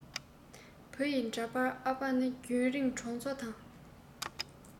བུ ཡི འདྲ པར ཨ ཕ ནི རྒྱུན རང གྲོང ཚོ དང